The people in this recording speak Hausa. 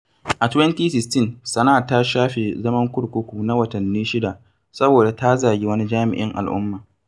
A 2016, Sanaa ta shafe zaman kurkuku na watanni shida saboda ta zagi wani jami'in al'umma.